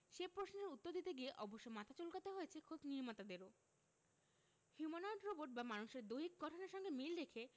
সে প্রশ্নের উত্তর দিতে গিয়ে অবশ্য মাথা চুলকাতে হয়েছে খোদ নির্মাতাদেরও হিউম্যানোয়েড রোবট বা মানুষের দৈহিক গঠনের সঙ্গে মিল রেখে